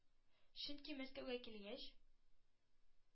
Чөнки мәскәүгә килгәч,